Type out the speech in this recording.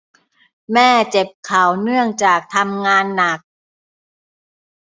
แม่เจ็บเข่าเนื่องจากทำงานหนัก